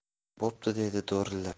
bo'pti dedi do'rillab